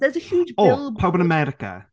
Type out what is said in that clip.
There's a huge billboa-...O, pawb yn America?